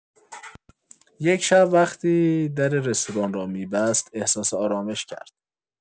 یک شب، وقتی در رستوران را می‌بست، احساس آرامش کرد.